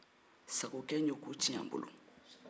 sagokɛ in ye ko tiɲɛ an bolo